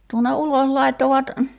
tuonne ulos laittoivat